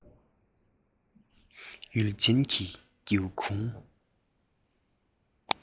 ཡུལ ཅན གྱི སྒེའུ ཁུང